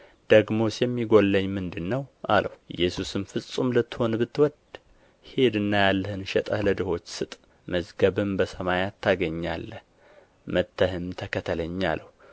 ደግሞስ የሚጐድለኝ ምንድር ነው አለው ኢየሱስም ፍጹም ልትሆን ብትወድ ሂድና ያለህን ሸጠህ ለድሆች ስጥ መዝገብም በሰማያት ታገኛለህ መጥተህም ተከተለኝ አለው